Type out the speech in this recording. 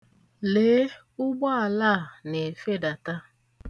Lee, ụgbọelu a na-efedata.